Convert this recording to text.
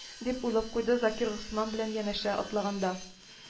—дип уйлап куйды закир госман белән янәшә атлаганда